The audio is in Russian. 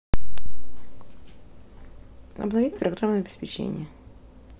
обновить программное обеспечение